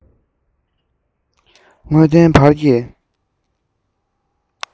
དངོས བདེན བར གྱི